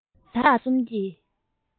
སུམ རྟགས དག གསུམ གྱི